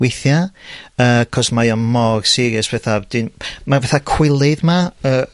Weithia, yy 'c'os mae o mor serious fetha wedyn, mae fetha cwilydd 'ma yy